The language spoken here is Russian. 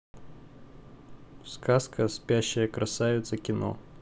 сказка спящая красавица кино